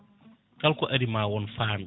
kala ko ari ma woon famɓe